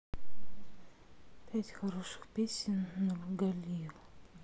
пять хороших песен нургалиева